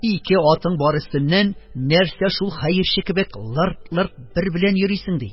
Ике атың бар өстеннән, нәрсә шул хәерче кебек лырт-лырт бер белән йөрисең?.. - ди.